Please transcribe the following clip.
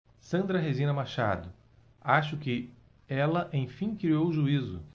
sandra regina machado acho que ela enfim criou juízo